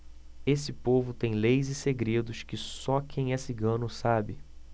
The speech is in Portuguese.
esse povo tem leis e segredos que só quem é cigano sabe